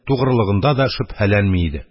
Тугрылыгында да шөбһәләнми иде.